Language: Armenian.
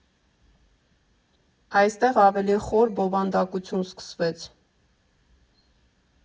Այստեղ ավելի խոր բովանդակություն սկսվեց։